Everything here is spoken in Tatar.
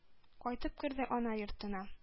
Кайтып керде ана йортына.